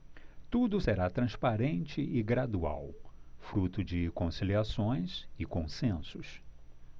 tudo será transparente e gradual fruto de conciliações e consensos